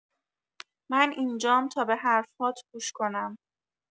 من اینجام تا به حرف‌هات گوش کنم.